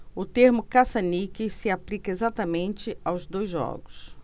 o termo caça-níqueis se aplica exatamente aos dois jogos